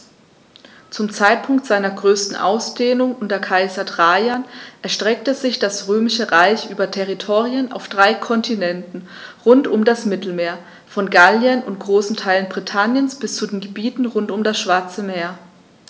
Zum Zeitpunkt seiner größten Ausdehnung unter Kaiser Trajan erstreckte sich das Römische Reich über Territorien auf drei Kontinenten rund um das Mittelmeer: Von Gallien und großen Teilen Britanniens bis zu den Gebieten rund um das Schwarze Meer.